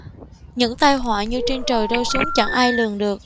những tai họa như trên trời rơi xuống chẳng ai lường được